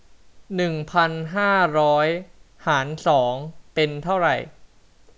หนึ่งพันห้าร้อยหารสองเป็นเท่าไร